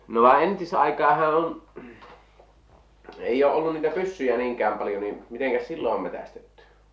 no vaan entisaikaanhan on ei ole ollut niitä pyssyjä niinkään paljon niin mitenkäs silloin on metsästetty